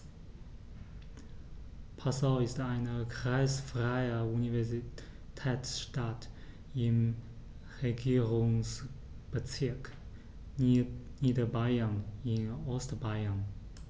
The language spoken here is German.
Passau ist eine kreisfreie Universitätsstadt im Regierungsbezirk Niederbayern in Ostbayern.